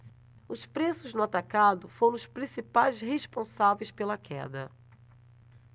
os preços no atacado foram os principais responsáveis pela queda